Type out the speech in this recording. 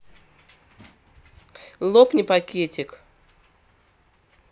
лопни пакетик